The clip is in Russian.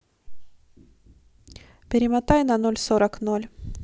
перемотай на ноль сорок ноль